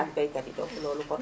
ak baykat yi donc loolu kon